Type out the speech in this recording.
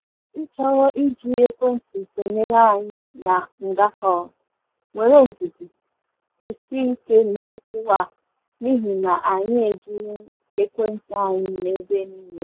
“Ya bụrụ na ị chọrọ iji ekwentị sonyere anyị na Ngakoro, nwee ndidi, kwụsie ike n'oku a n'ihi na anyị ejighị ekwentị anyị n'ebe niile.